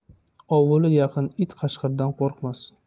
ovuli yaqin it qashqirdan qo'rqmas